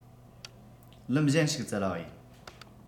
ལམ གཞན ཞིག བཙལ བ ཡིན